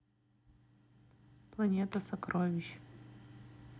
планета сокровищ